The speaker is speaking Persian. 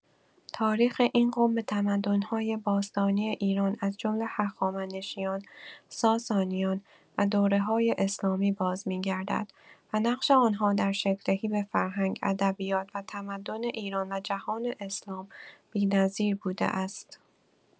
تاریخ این قوم به تمدن‌های باستانی ایران از جمله هخامنشیان، ساسانیان و دوره‌های اسلامی بازمی‌گردد و نقش آن‌ها در شکل‌دهی به فرهنگ، ادبیات و تمدن ایران و جهان اسلام بی‌نظیر بوده است.